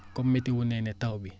comme météo nee na taw bi